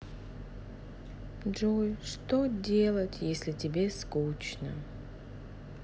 джой что делать если тебе скучно